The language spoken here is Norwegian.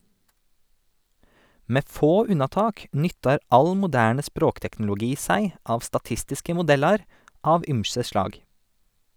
Med få unnatak nyttar all moderne språkteknologi seg av statistiske modellar av ymse slag.